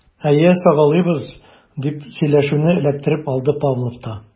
Әйе, сагалыйбыз, - дип сөйләшүне эләктереп алды Павлов та.